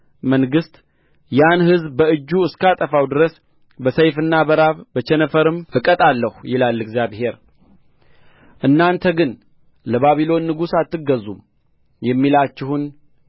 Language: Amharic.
መንግሥት ያን ሕዝብ በእጁ እስካጠፋው ድረስ በሰይፍና በራብ በቸነፈርም እቀጣለሁ ይላል እግዚአብሔር እናንተ ግን ለባቢሎን ንጉሥ አትገዙም የሚሉአችሁን